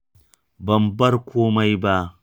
“Ban bar komai ba.”